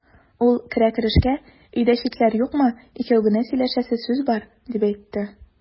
Ул керә-керешкә: "Өйдә читләр юкмы, икәү генә сөйләшәсе сүз бар", дип әйтте.